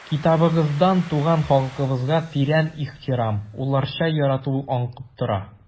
Китабыгыздан туган халкыбызга тирән ихтирам, улларча ярату аңкып тора.